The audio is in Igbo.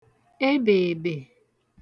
ebèèbè